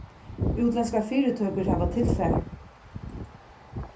útlendskar fyritøkur hava tilfar